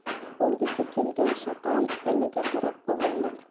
o'lgisi kelgan shaqal iniga qarab uvillar